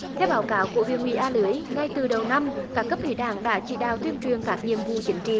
theo báo cáo của huyện ủy a lưới ngay từ đầu năm các cấp ủy đảng đã chỉ đạo tuyên truyền các nhiệm vụ chính trị